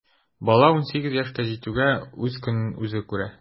Бала унсигез яшькә җитүгә үз көнен үзе күрә.